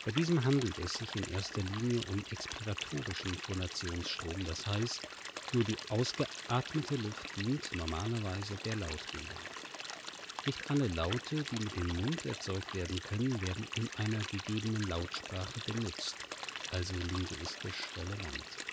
diesem handelt es sich in erster Linie um exspiratorischen Phonationsstrom, d. h. nur die ausgeatmete Luft dient normalerweise der Lautbildung. Nicht alle Laute, die mit dem Mund erzeugt werden können, werden in einer gegebenen Lautsprache benutzt, also linguistisch relevant